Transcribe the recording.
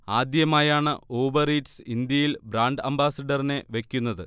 ആദ്യമായാണ് Uber Eats ഇന്ത്യയിൽ brand അംബാസഡറിനെ വയ്ക്കുന്നത്